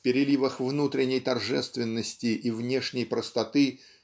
в переливах внутренней торжественности и внешней простоты